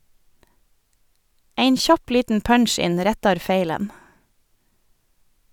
Ein kjapp liten punch-in rettar feilen.